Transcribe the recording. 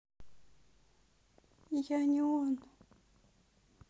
я не он